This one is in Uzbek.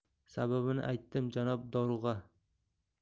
sababini aytdim janob dorug'a